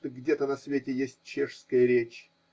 что где-то на свете есть чешская речь